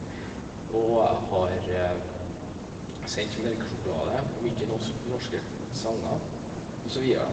Og jeg har sendt melkesjokolade, mye nos norske sanger, og så videre, da.